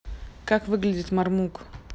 как выглядит мармук